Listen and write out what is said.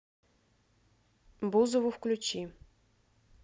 бузову включи